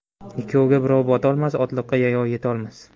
ikkovga birov botolmas otliqqa yayov yetolmas